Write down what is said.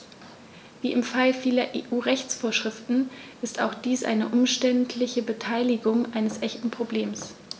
Wie im Fall vieler EU-Rechtsvorschriften ist auch dies eine umständliche Betitelung eines echten Problems.